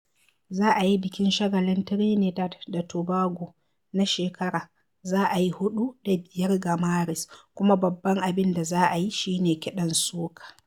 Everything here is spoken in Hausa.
Za a yi bikin shagalin Trinidad da Tobago na shekara za a yi 4 da 5 ga Maris, kuma babban abin da za a yi shi ne kiɗan soca.